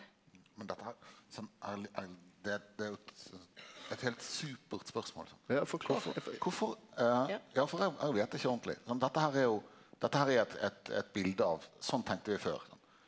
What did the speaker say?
men dette her sant det er det er jo eit eit heilt supert spørsmål sant kvifor ja for eg eg veit ikkje ordentleg, men dette her er jo dette her er eit eit eit bilde av sånn tenkte vi før sant.